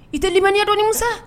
I tɛlilima ɲɛdɔnɔnin sa